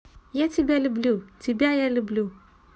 я тебя люблю тебя я люблю